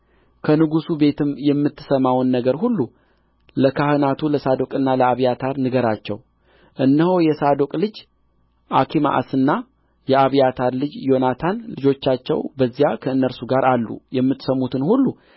ከንጉሡ ቤትም የምትሰማውን ነገር ሁሉ ለካህናቱ ለሳዶቅና ለአብያታር ንገራቸው እነሆ የሳዶቅ ልጅ አኪማአስና የአብያታር ልጅ ዮናታን ልጆቻቸው በዚያ ከእነርሱ ጋር አሉ የምትሰሙትን ሁሉ